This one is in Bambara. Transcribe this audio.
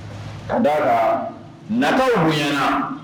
Ka d'a kan nata bonyana